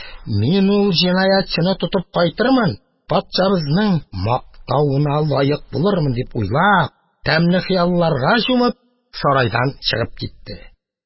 «мин ул җинаятьчене тотып кайтырмын, патшабызның мактавына лаек булырмын», – дип уйлап, тәмле хыялларга чумып, сарайдан чыгып китте.